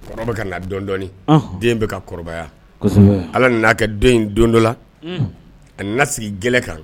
Kɔrɔ ka na dɔndɔi den bɛ ka kɔrɔbaya ala n' a kɛ don in don dɔ la a nana sigi gɛlɛ kan